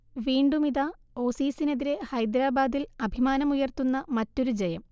വീണ്ടുമിതാ, ഓസീസിനെതിരെ ഹൈദരാബാദിൽ അഭിമാനമുയർത്തുന്ന മറ്റൊരു ജയം